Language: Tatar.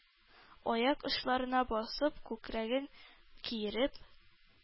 Аяк очларына басып, күкрәген киереп,